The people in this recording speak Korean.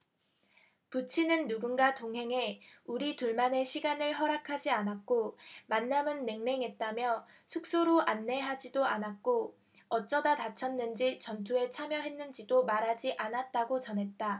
부친은 누군가 동행해 우리 둘만의 시간을 허락하지 않았고 만남은 냉랭했다며 숙소로 안내하지도 않았고 어쩌다 다쳤는지 전투에 참여했는지도 말하지 않았다고 전했다